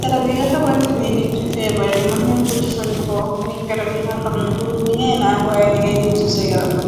Garab yi ga xamanteni nit ñu fèbarr ñi mën nañ ku jufandiko miñ garab yi nga xamneh duhut lingay naan wayè lingay diiw ci sa yaram lu